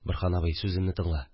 – борһан абый, сүземне тыңла